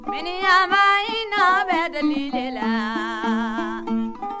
miniyanba hinɛ bɛ deli le la